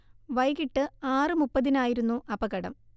വൈകിട്ട് ആറ് മുപ്പത്തിനായിരുന്നു അപകടം